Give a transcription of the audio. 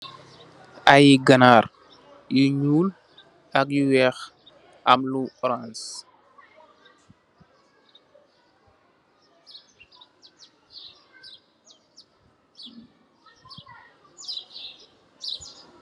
Aye ganaar, yu nyul ak yu weekh, am lu orange.